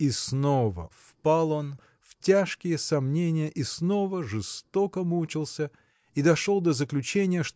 И снова впал он в тяжкие сомнения и снова жестоко мучился и дошел до заключения